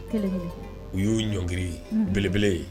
U y'o ɲɔngkiri belebele ye